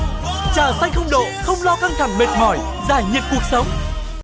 trà xanh không độ không lo căng thẳng mệt mỏi giải nhiệt cuộc sống